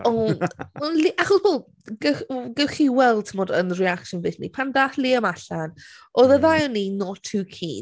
O ww we- l- ie achos wel gewch w- gewch chi weld timod yn reaction video ni. Pan ddaeth Liam allan, oedd y ddau o ni not too keen.